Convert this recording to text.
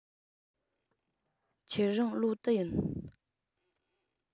ཁྱེད རང ལོ དུ ཡིན